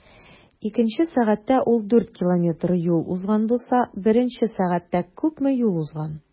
Икенче сәгатьтә ул 4 км юл узган булса, беренче сәгатьтә күпме юл узган?